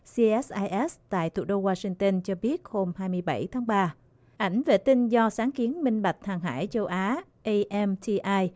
xi ét ai ét tại thủ đô goa xinh tơn cho biết hôm hai mươi bảy tháng ba ảnh vệ tinh do sáng kiến minh bạch hàng hải châu á ây em ti ai